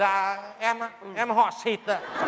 dạ ạ em á em họ xịt ạ